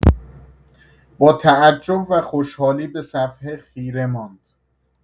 با تعجب و خوشحالی به صفحه خیره ماند.